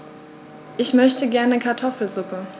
Ich möchte gerne Kartoffelsuppe.